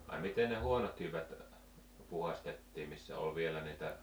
ai miten ne huonot jyvät puhdistettiin missä oli vielä niitä -